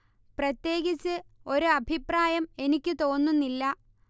പ്രത്യേകിച്ച് ഒരഭിപ്രായം എനിക്ക് തോന്നുന്നില്ല